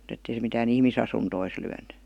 mutta että ei se mitään ihmisasuntoihin lyönyt